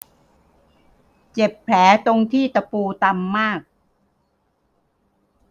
เจ็บแผลตรงที่ตะปูตำมาก